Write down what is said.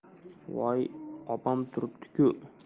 voy opam turibdi ku